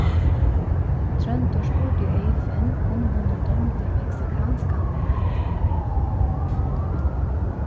tróndur spurdi eyðfinn um honum dámdi meksikanskan mat